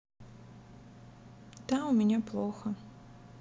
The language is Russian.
да у меня плохо